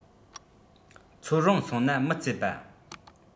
ཚོད རིང སོང ན མི རྩེ པ